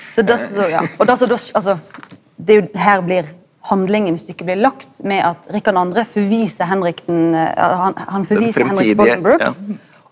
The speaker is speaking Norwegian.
og det som då altså det er jo her blir handlinga i stykket blir lagt med at Rikard den andre forviser Henrik den han han forviser Henrik Bullingbrook.